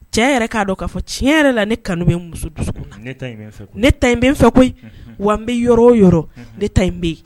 Cɛ yɛrɛ k'a dɔn k'a fɔ tiɲɛ yɛrɛ la ne kanu bɛ muso dusu ne ta in bɛ fɛ koyi wa n bɛ yɔrɔ o ne ta bɛ yen